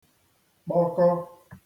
kpọkọ